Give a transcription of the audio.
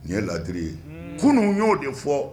Nin ye ladiri ye kunun y'o de fɔ